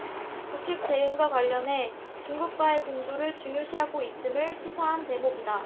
북핵 대응과 관련해 중국과의 공조를 중요시하고 있음을 시사한 대목이다